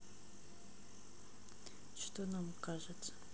что нам кажется